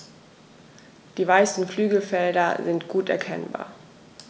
Die weißen Flügelfelder sind gut erkennbar.